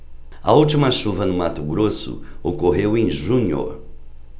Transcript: a última chuva no mato grosso ocorreu em junho